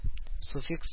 Суффикс